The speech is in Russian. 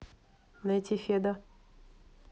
найти феда